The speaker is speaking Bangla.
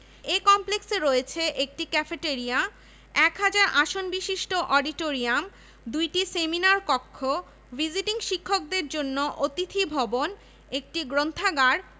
এ কমপ্লেক্সে রয়েছে একটি ক্যাফেটরিয়া এক হাজার আসনবিশিষ্ট অডিটোরিয়াম ২টি সেমিনার কক্ষ ভিজিটিং শিক্ষকদের জন্য অতিথি ভবন একটি গ্রন্থাগার